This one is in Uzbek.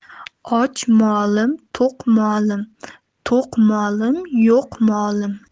och molim to'q molim to'q molim yo'q molim